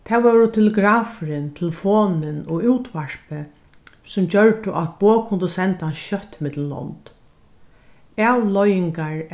tað vóru telegrafurin telefonin og útvarpið sum gjørdu at boð kundu senda skjótt millum lond avleiðingar